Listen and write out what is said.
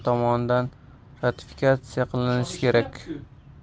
tomonidan ratifikatsiya qilinishi kerak